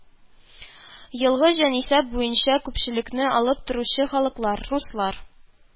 Елгы җанисәп буенча күпчелекне алып торучы халыклар: руслар